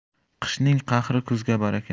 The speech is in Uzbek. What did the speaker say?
qishning qahri kuzga baraka